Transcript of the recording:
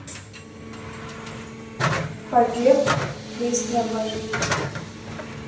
побег песня бандит